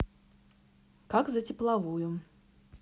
как за тепловую